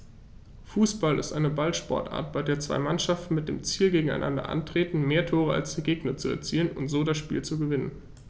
Fußball ist eine Ballsportart, bei der zwei Mannschaften mit dem Ziel gegeneinander antreten, mehr Tore als der Gegner zu erzielen und so das Spiel zu gewinnen.